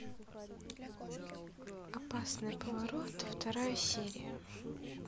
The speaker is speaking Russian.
опасный поворот вторая серия